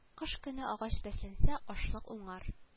Кыш көне агач бәсләнсә ашлык уңар